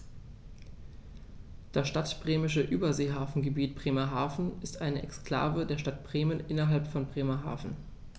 Das Stadtbremische Überseehafengebiet Bremerhaven ist eine Exklave der Stadt Bremen innerhalb von Bremerhaven.